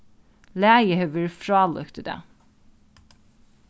lagið hevur verið frálíkt í dag